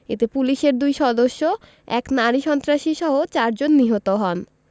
এতে পুলিশের দুই সদস্য এক নারী সন্ত্রাসীসহ চারজন নিহত হন